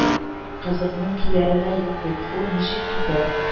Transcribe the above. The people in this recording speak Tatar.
– кызымның кияренә юк бит, ул ничек китәр